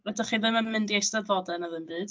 A dach chi ddim yn mynd i eisteddfodau neu ddim byd?